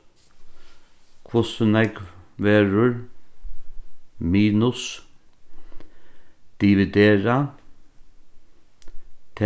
hvussu nógv verður minus dividera